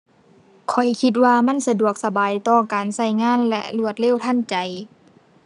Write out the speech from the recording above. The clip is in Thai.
ข้อยคิดว่ามันสะดวกสบายต่อการใช้งาน และรวดเร็วทันใจ